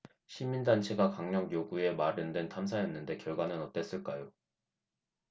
시민단체가 강력 요구해 마련된 탐사였는데 결과는 어땠을까요